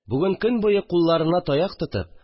Бүген көн буе, кулларына таяк тотып